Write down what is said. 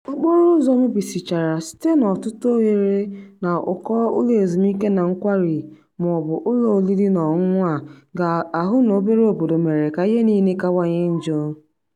Okporoụzọ mebisichara site n'ọtụtụ oghere na ụkọ ụlọezumike na nkwari maọbụ ụlọ oriri na ọṅụṅụ a ga-ahụ n'obere obodo mere ka ihe niile kawanye njọ.